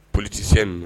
P tɛsɛ